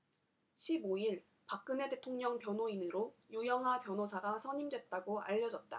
십 오 일 박근혜 대통령 변호인으로 유영하 변호사가 선임됐다고 알려졌다